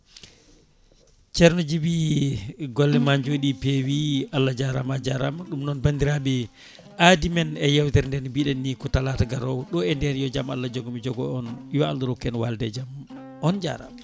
ceerno Djiby golle ma jooɗi peewi Allah jarama a jarama ɗum noon bandiraɓe aadimen e yewtere nde mbiɗen ni ko talata gaarowo ɗo e nden yo jaam Allah jogomi jogo on yo Allah rokku en walde e jaam on jarama